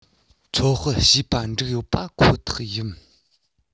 ཚོད དཔག བྱས པ འགྲིག ཡོད པ ཁོ ཐག ཡིན